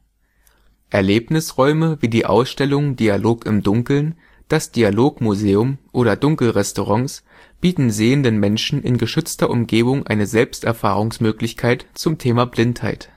Erlebnisräume wie die Ausstellung Dialog im Dunkeln, das Dialogmuseum oder Dunkelrestaurants bieten sehenden Menschen in geschützter Umgebung eine Selbsterfahrungsmöglichkeit zum Thema Blindheit